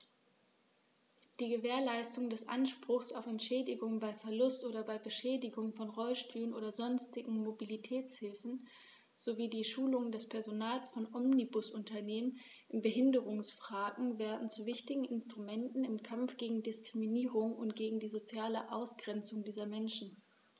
Die Gewährleistung des Anspruchs auf Entschädigung bei Verlust oder Beschädigung von Rollstühlen oder sonstigen Mobilitätshilfen sowie die Schulung des Personals von Omnibusunternehmen in Behindertenfragen werden zu wichtigen Instrumenten im Kampf gegen Diskriminierung und gegen die soziale Ausgrenzung dieser Menschen.